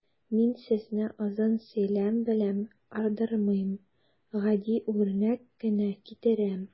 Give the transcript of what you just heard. Мин сезне озын сөйләм белән ардырмыйм, гади үрнәк кенә китерәм.